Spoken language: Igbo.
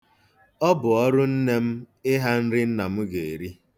Ọ bụ ọrụ nne m ịha nri nna m ga-eri.